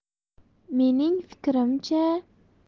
mening fikrimcha